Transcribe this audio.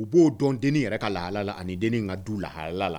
U b'o dɔn deni yɛrɛ ka lahala ani deni ka du lahala la